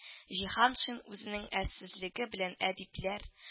Җиһаншин үзенең әрсезлеге белән әдипләр